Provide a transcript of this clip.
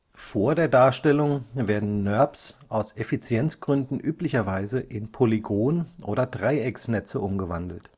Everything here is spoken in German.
Vor der Darstellung werden NURBS aus Effizienzgründen üblicherweise in Polygon - oder Dreiecksnetze umgewandelt